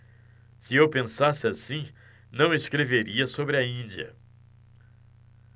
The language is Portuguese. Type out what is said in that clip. se eu pensasse assim não escreveria sobre a índia